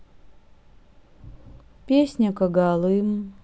песня когалым